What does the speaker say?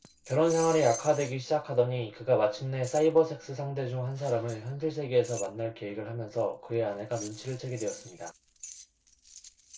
결혼 생활이 악화되기 시작하더니 그가 마침내 사이버섹스 상대 중 한 사람을 현실 세계에서 만날 계획을 하면서 그의 아내가 눈치를 채게 되었습니다